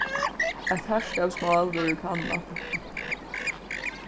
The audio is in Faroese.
eitt harðskapsmál verður kannað